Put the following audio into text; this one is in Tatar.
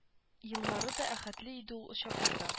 Еллары да ахәтле иде ул чакларда